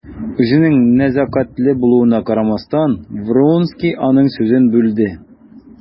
Үзенең нәзакәтле булуына карамастан, Вронский аның сүзен бүлде.